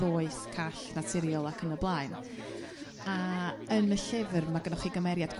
ddoeth call naturiol ac yn y blaen a yn y llyfr ma' gynnoch chi gymeriad